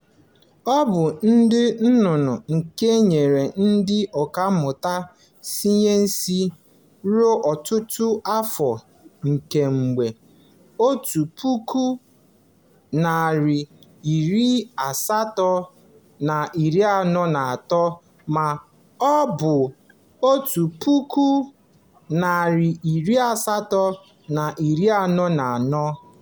Ọ bụ ụdị nnụnụ nke nyịrị ndị ọkammụta sayensị ruo ọtụtụ afọ, kemgbe 1843 ma ọ bụ 1844.